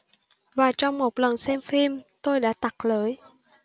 và trong một lần xem phim tôi đã tặc lưỡi